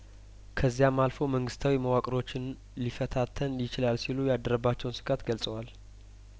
ከዚያም አልፎ መንግስታዊ መዋቅሮችን ሊፈታተን ይችላል ሲሉ ያደረባቸውን ስጋት ገልጸዋል